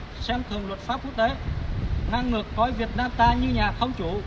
xem thường luật pháp quốc tế ngang ngược coi việc nam ta như nhà không chủ